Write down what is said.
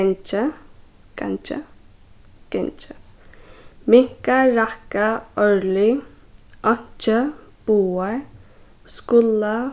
gangi gangi gangi minka rakka árlig einki báðar skula